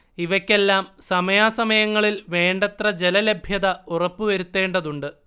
ഇവക്കെല്ലാം സമയാസമയങ്ങളിൽ വേണ്ടത്ര ജലലഭ്യത ഉറപ്പു വരുത്തേണ്ടതുണ്ട്